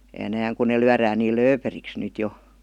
enää kun ne lyödään niin lööperiksi nyt jo